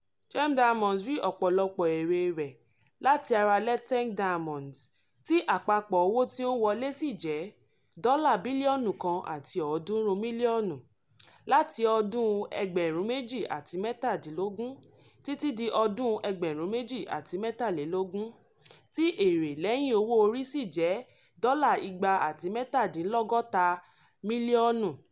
GEM Diamonds rí ọ̀pọ̀lọpọ̀ èrè rẹ̀ láti ara Letseng Diamonds, tí àpapọ̀ owó tí ó ń wọlé sì jẹ́ USD 1.3 bílíọ̀nù láti ọdún 2017 títí di ọdún 2023 tí èrè lẹ́yìn owó orí sì jẹ́ USD 259 mílíọ̀nù.